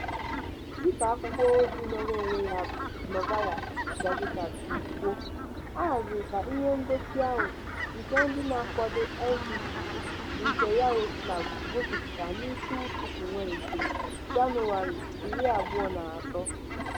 Dịka akwụkwọozi nọọrọ onwe ya bụ Novaya Gazeta si kwuo, a haziri ka ihe ngosi ahụ nke ndị na-akwado LGBT nke Yaroslavl gosipụta n'isi ụtụtụ Wenezdee, Jenụwarị 23.